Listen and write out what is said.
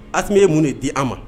A tun ye mun de di an ma